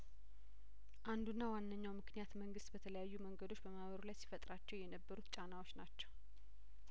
አንዱና ዋነኛው ምክንያት መንግስት በተለያዩ መንገዶች በማህበሩ ላይሲፈ ጥራቸው የነበሩት ጫናዎች ናቸው